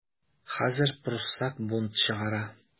Хәзер пруссак бунт чыгара.